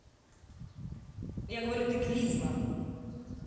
я говорю ты клизма